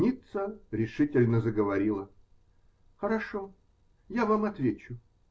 Ницца решительно заговорила: -- Хорошо, я вам отвечу.